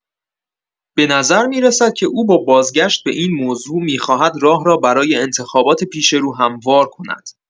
به نظر می‌رسد که او با بازگشت به این موضوع، می‌خواهد راه را برای انتخابات پیش‌رو هموار کند.